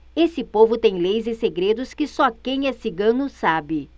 esse povo tem leis e segredos que só quem é cigano sabe